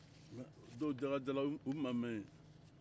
donc dakajala u m'a mɛ yen